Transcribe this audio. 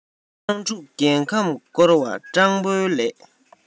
སྤྲང ཕྲུག རྒྱལ ཁམས བསྐོར བ སྤྲང པོའི ལས